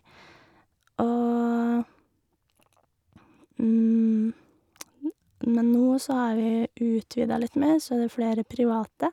og Men nå så har vi utvida litt mer, så det er flere private.